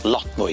Lot mwy.